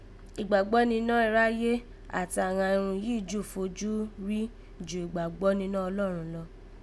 Ìgbàgbọ́ ninọ́ iráyé àti àghan irun yìí jú fojú rí jù ìgbàgbọ́ ninọ́ Ọlọ́run lọ